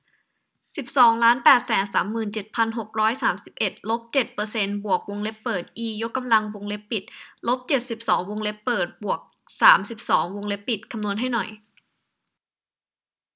สิบสองล้านแปดแสนสามหมื่นเจ็ดพันหกร้อยสามสิบเอ็ดลบเจ็ดเปอร์เซนต์บวกวงเล็บเปิดอียกกำลังวงเล็บปิดลบเจ็ดสิบสองวงเล็บเปิดบวกสามสิบสองวงเล็บปิดคำนวณให้หน่อย